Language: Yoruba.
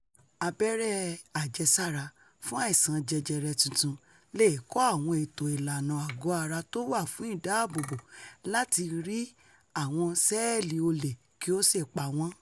Abẹ́rẹ́ àjẹsára fún àìsàn jẹjẹrẹ tuntun leè kọ́ àwọn ètò ìlànà àgọ́-ara tówà fún ìdáààbòbò láti 'ri' àwọn ṣẹ̵́ẹ̀lì olè kí ó sì pa wọn